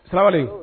Sari